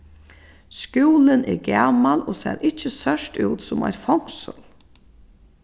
skúlin er gamal og sær ikki sørt út sum eitt fongsul